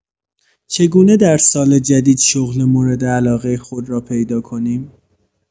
چگونه در سال جدید شغل موردعلاقه خود را پیدا کنیم؟